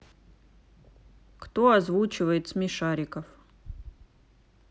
кто озвучивает смешариков